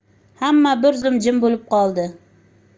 hamma bir zum jim bo'lib qoldi